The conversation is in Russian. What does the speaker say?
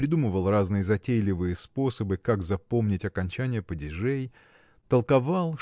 придумывал разные затейливые способы как запомнить окончания падежей толковал